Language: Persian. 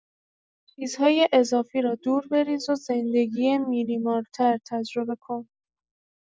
چیزهای اضافی را دور بریز و زندگی مینیمال‌تر تجربه کن.